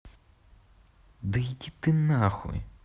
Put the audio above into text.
да иди ты нахуй